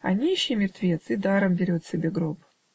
а нищий мертвец и даром берет себе гроб".